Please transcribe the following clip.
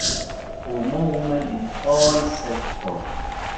For more women in all sectors.